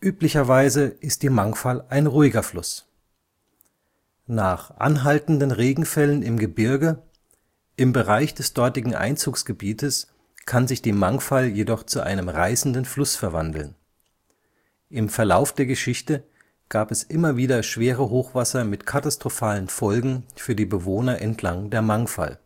Üblicherweise ist die Mangfall ein ruhiger Fluss. Nach anhaltenden Regenfällen im Gebirge, im Bereich des dortigen Einzugsgebietes, kann sich die Mangfall jedoch zu einem reißenden Fluss verwandeln. Im Verlauf der Geschichte gab es immer wieder schwere Hochwasser mit katastrophalen Folgen für die Bewohner entlang der Mangfall